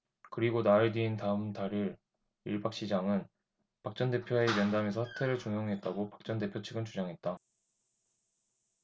그리고 나흘 뒤인 다음 달 일 일 박 시장은 박 전 대표와의 면담에서 사퇴를 종용했다고 박 전 대표 측은 주장했다